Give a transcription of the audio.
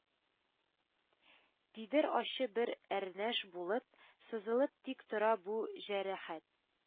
Дидер ачы бер әрнеш булып, сызылып тик тора бу җәрәхәт